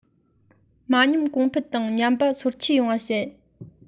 མི ཉམས གོང འཕེལ དང ཉམས པ སོར ཆུད ཡོང བ བྱེད